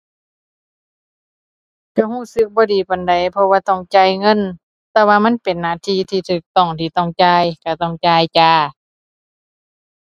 ก็ก็สึกบ่ดีปานใด เพราะว่าต้องจ่ายเงิน แต่ว่ามันเป็นหน้าที่ที่จะต้องที่ต้องจ่ายก็ต้องจ่ายจ้า